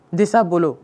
Disa bolo